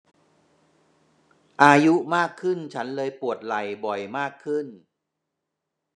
อายุมากขึ้นฉันเลยปวดไหล่บ่อยมากขึ้น